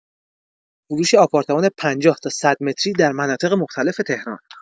فروش آپارتمان ۵۰ تا ۱۰۰ متری در مناطق مختلف تهران